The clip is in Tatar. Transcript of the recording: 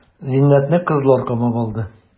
Зиннәтне кызлар камап алды.